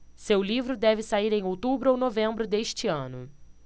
seu livro deve sair em outubro ou novembro deste ano